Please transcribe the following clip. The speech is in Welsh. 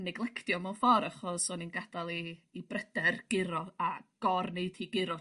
niglectio mewn ffor achos o'n i'n gadal i i bryder guro a gor neud hi guro.